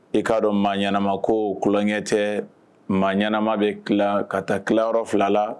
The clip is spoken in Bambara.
I k'a dɔn maa ɲɛnaanama ko kolonkɛ tɛ maa ɲɛnaanama bɛ tila ka taa kiyɔrɔ fila la